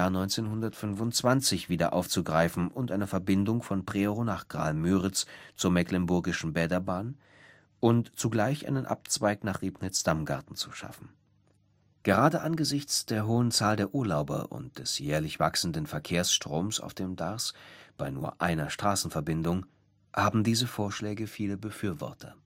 1925 wieder aufzugreifen und eine Verbindung von Prerow nach Graal-Müritz zur Mecklenburgischen Bäderbahn mit einem Abzweig nach Ribnitz-Damgarten zu schaffen. Gerade angesichts der hohen Anzahl der Urlauber und des jährlich wachsenden Verkehrsstroms auf dem Darß bei nur einer Straßenverbindung haben diese Vorschläge viele Befürworter